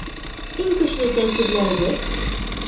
Иң көчле тәэсирләрегез?